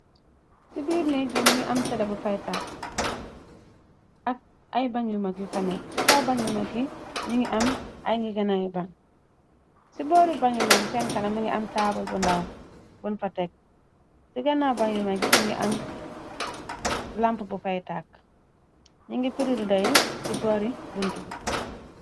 Ci biir nékk bi mi ngi am tela bu faytakk, ak ay ban yu mag yu faneek, ci kaw ban yu magi ñi ngi am ay ngi gana ay ban ,ci boori bàn yu magi, seen kana mingi am taabal bu ndaw bun fa tekk, ci gana ban yu magi mi ngi am lamp bu faytakk, ñi ngi firiruday ci boori buntub.